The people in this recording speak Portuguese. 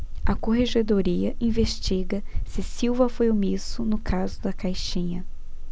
a corregedoria investiga se silva foi omisso no caso da caixinha